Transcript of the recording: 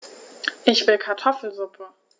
Ich will Kartoffelsuppe.